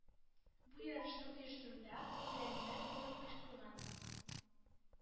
Бу ярышны оештыруда үзләреннән зур көч куйган